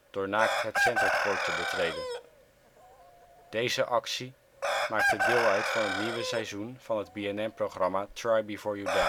door naakt het centercourt te betreden. Deze actie maakte deel uit van het nieuwe seizoen van het BNN-programma Try Before You Die